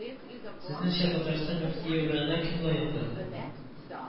Сезнеңчә, Татарстан мөфтие урынына кем лаеклы